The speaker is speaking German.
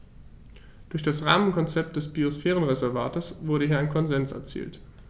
Durch das Rahmenkonzept des Biosphärenreservates wurde hier ein Konsens erzielt.